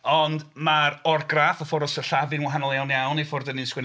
Ond ma'r orgraff, y ffordd o sillafu'n wahanol iawn iawn i ffor' dan ni'n sgwennu.